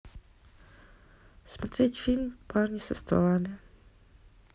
смотреть фильм парни со стволами